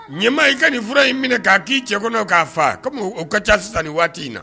Ɲɛmaa i ka nin fura in minɛ k' k'i cɛ kɔnɔw k'a faa kɔmi u ka ca sisan nin waati in na